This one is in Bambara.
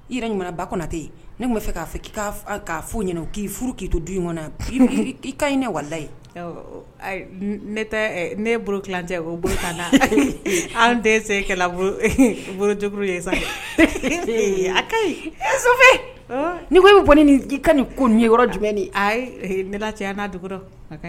I yɛrɛ ɲuman ba tɛ ne fɛa k' k'i furu k'i to du na i ka ne walayi ne ne bolocɛ o bolo t'a la an tɛ se kɛlɛ boloj ye sa a ka so ni' ko bɛ bɔ nin i ka nin ko yɔrɔ jumɛn ni ne la caya n'a dugu